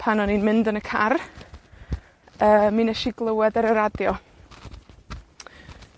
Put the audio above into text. Pan o'n i'n mynd yn y car, yy, mi wnesh i glywed ar y radio.